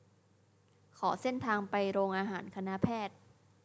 ขอเส้นทางไปโรงอาหารคณะแพทย์